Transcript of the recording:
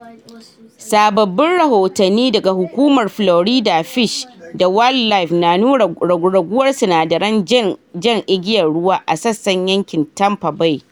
Sababbin rahotanni daga Hukumar Florida Fish da wildlife na nuna raguwar sinadaran Jar Igiyar Ruwa a sassan yankin Tampa Bay.